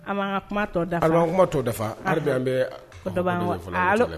Kuma kuma to dafa